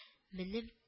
Енем